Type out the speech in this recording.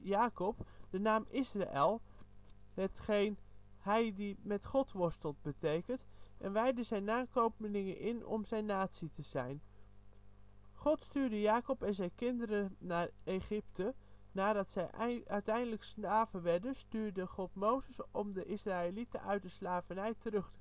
Jacob, de naam Israël, hetgeen " hij die met God worstelt " betekent, en wijdde zijn nakomelingen in om zijn natie te zijn. God stuurde Jacob en zijn kinderen naar Egypte; nadat zij uiteindelijk slaven werden, stuurde God Mozes om de Israëlieten uit de slavernij terug te